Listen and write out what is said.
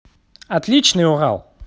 отличный урал